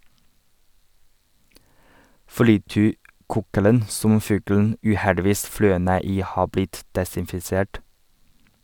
Frityrkokeren som fuglen uheldigvis fløy ned i har blitt desinfisert.